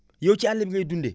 yow ci àll bi ngay dundee